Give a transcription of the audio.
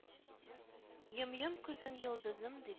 Йом-йом күзең, йолдызым, дип